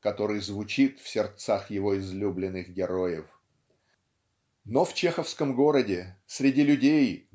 который звучит в сердцах его излюбленных героев. Но в чеховском городе среди людей